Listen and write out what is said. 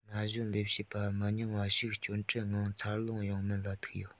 ན གཞོན ལས བྱེད པ མི ཉུང བ ཞིག སྐྱོན བྲལ ངང འཚར ལོངས ཡོང མིན ལ ཐུག ཡོད